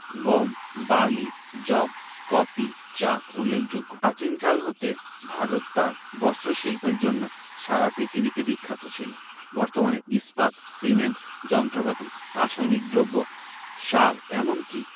গম বার্লি যব কফি চা উল্লেখযোগ্য প্রাচীনকাল হতে ভারত তার বস্ত্রশিল্পের জন্য সারা পৃথিবীতে বিখ্যাত ছিল বর্তমানে ইস্পাত সিমেন্ট যন্ত্রপাতি রাসায়নিক দ্রব্য সার এমন কি